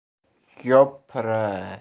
yo piray